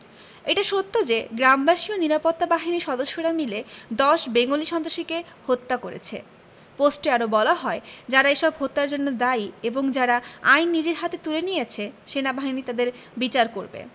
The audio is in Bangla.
এটা সত্য যে গ্রামবাসী ও নিরাপত্তা বাহিনীর সদস্যরা মিলে ১০ বেঙ্গলি সন্ত্রাসীকে হত্যা করেছে পোস্টে আরো বলা হয় যারা এসব হত্যার জন্য দায়ী এবং যারা আইন নিজের হাতে তুলে নিয়েছে সেনাবাহিনী তাদের বিচার করবে